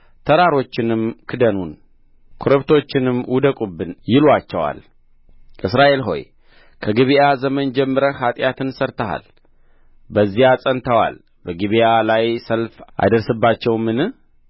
ተራሮችንም ክደኑን ኮረብቶችንም ውደቁብን ይሉአቸዋል እስራኤል ሆይ ከጊብዓ ዘመን ጀምረህ ኃጢአትን ሠርተሃል በዚያ ጸንተዋል በጊብዓ ላይ ሰልፍ አይደርስባቸውምን